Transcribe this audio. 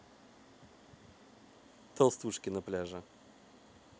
толстушки на пляже